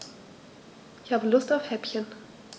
Ich habe Lust auf Häppchen.